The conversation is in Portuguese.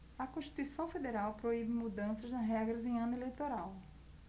a constituição federal proíbe mudanças nas regras em ano eleitoral